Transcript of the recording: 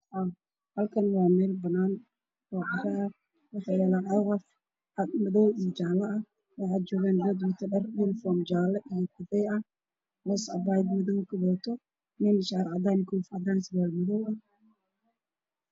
Halkaan waa meel banaan ah carro ah waxaa joogto cagaf cagaf madow iyo jaale ah, iyo dad wato dhar yunifon jaale ah iyo kafay ah, hoos cabaayad madow kawadato, nina shaati cadaan ah iyo koofi madow iyo surwaal madow ah.